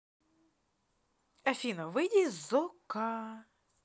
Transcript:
афина выйти из okko